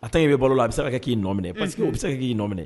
A taa y' bɛ bolo la a bɛ se k'i nɔ minɛ pa que u bɛ se k'i nɔ minɛ